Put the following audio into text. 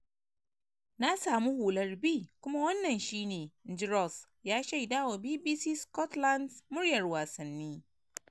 Na samu hular B kuma wannan shi ne, "in ji Ross ya shaidawa BBC Scotland’s Muryarwasanni."